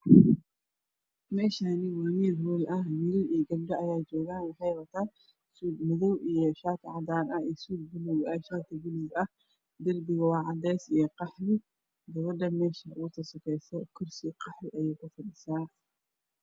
Meeshaan waa meel hool ah wiilal iyo gabdho ayaa joogo waxay wataan suud madow iyo shaati cadaan ah, shaati buluug ah iyo surwaal buluug ah. Darbiga waa cadeys iyo qaxwi. Gabadha usoo sukeyso kursi qaxwi ah ayay ku fadhisaa.